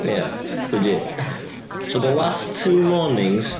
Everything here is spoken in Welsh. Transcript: Ia legit. For the last two mornings...